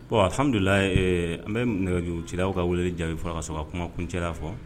Bonhamdulila an bɛ nɛgɛju cilaw ka wele jaabi f ka sababu kuma kuncɛ fɔ